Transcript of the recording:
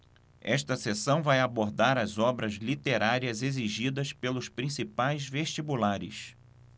esta seção vai abordar as obras literárias exigidas pelos principais vestibulares